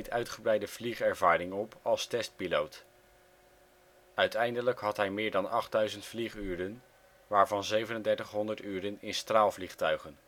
uitgebreide vliegervaring op als testpiloot. Uiteindelijk had hij meer dan 8000 vlieguren, waarvan 3700 uren in straalvliegtuigen